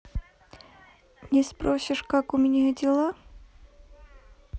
не спросишь как у меня дела